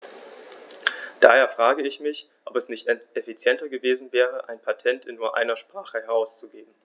Daher frage ich mich, ob es nicht effizienter gewesen wäre, ein Patent in nur einer Sprache herauszugeben.